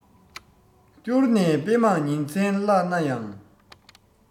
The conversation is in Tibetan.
བསྐྱུར ནས དཔེ མང ཉིན མཚན བཀླགས ན ཡང